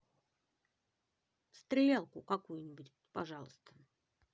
стрелялку какую нибудь пожалуйста